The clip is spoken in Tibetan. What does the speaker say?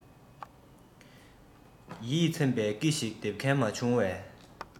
ཡིད ཚིམ པའི ཀི ཞིག འདེབས མཁན མ བྱུང བས